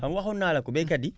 xam nga waxoon naa la ko baykat yi